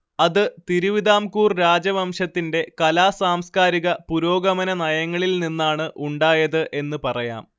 അത് തിരുവിതാംകൂർ രാജവംശത്തിന്റെ കലാ സാംസ്കാരിക പുരോഗമന നയങ്ങളിൽ നിന്നാണ് ഉണ്ടായത് എന്ന് പറയാം